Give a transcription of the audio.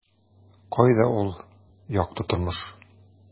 Кайда ул - якты тормыш? ..